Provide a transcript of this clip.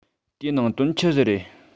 དེའི ནང དོན ཆི ཟིག རེད